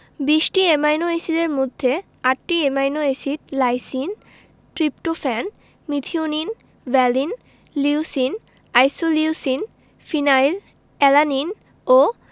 ২০টি অ্যামাইনো এসিডের মধ্যে ৮টি amino acid lysine tryptophan methionine valine leucine isoleucine phenyl alanine ও